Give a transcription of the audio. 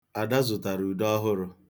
Ada zụtara ude ọhụru.